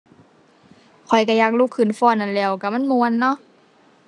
ข้อยก็อยากลุกขึ้นฟ้อนนั่นแหล้ว ก็มันม่วนเนาะ